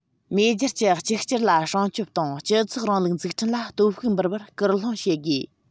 མེས རྒྱལ གྱི གཅིག གྱུར ལ སྲུང སྐྱོབ དང སྤྱི ཚོགས རིང ལུགས འཛུགས སྐྲུན ལ སྟོབས ཤུགས འབུལ བར སྐུལ སློང བྱེད དགོས